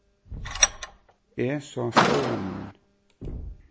eg sá stóran mun